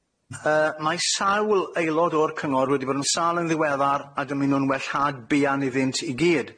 Yy, mae sawl aelod o'r cyngor wedi bod yn sâl yn ddiweddar, a dymunwn wellhad buan iddynt i gyd.